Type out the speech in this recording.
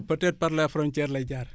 peut être par la frontière lay jaar